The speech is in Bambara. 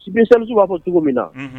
Spécialiste u b'a fɔ cogomin na unhun